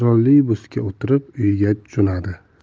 da trolleybusga o'tirib uyiga jo'nadi